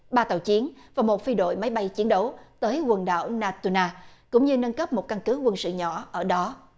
ba tàu chiến và một phi đội máy bay chiến đấu tới quần đảo na tu na cũng như nâng cấp một căn cứ quân sự nhỏ ở đó